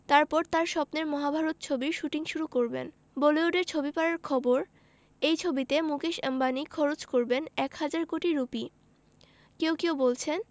তারপর তাঁর স্বপ্নের মহাভারত ছবির শুটিং শুরু করবেন বলিউডের ছবিপাড়ার খবর এই ছবিতে মুকেশ আম্বানি খরচ করবেন এক হাজার কোটি রুপি কেউ কেউ বলছেন